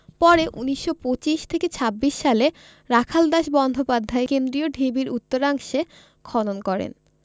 পরে ১৯২৫ ২৬ সালে রাখালদাস বন্দ্যোপাধ্যায় কেন্দ্রীয় ঢিবির উত্তরাংশে খনন করেন